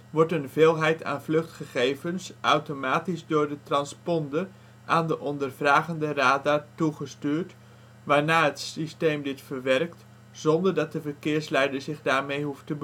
wordt een veelheid aan vluchtgegevens automatisch door de transponder aan de " ondervragende " radar toegestuurd, waarna het systeem dit verwerkt zonder dat de verkeersleider zich daarmee hoeft te bemoeien